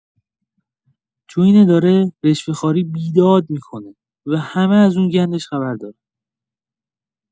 تو این اداره، رشوه‌خواری بیداد می‌کنه و همه از اون گندش خبر دارن.